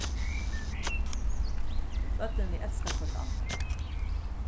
børnini elska hvørt annað